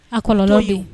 A kɔlɔlɔ ye